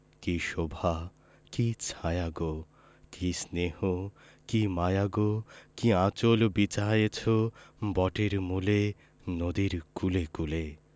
কী শোভা কী ছায়া গো কী স্নেহ কী মায়া গো কী আঁচল বিছায়েছ বটের মূলে নদীর কূলে কূলে